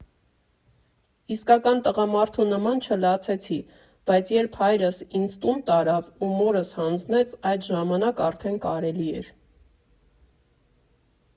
Իսկական տղամարդու նման չլացեցի, բայց երբ հայրս ինձ տուն տարավ ու մորս հանձնեց, այդ ժամանակ արդեն կարելի էր։